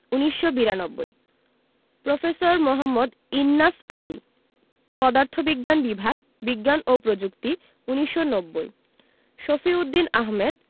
১৯৯২ professor Md Innas Ali পদার্থবিজ্ঞান বিভাগ বিজ্ঞান ও প্রযুক্তি ১৯৯০ শফিউদ্দীন আহমেদ